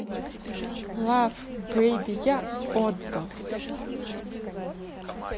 love baby я отдал